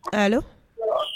Paul